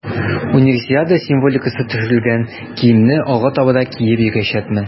Универсиада символикасы төшерелгән киемне алга таба да киеп йөриячәкмен.